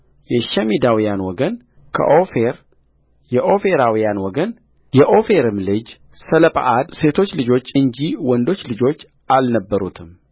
የሸሚዳውያን ወገን ከኦፌር የኦፌራውያን ወገንየኦፌርም ልጅ ሰለጰዓድ ሴቶች ልጆች እንጂ ወንዶች ልጆች አልነበሩትም